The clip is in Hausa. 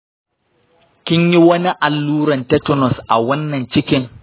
kinyi wani alluran tetanus a wannan cikin?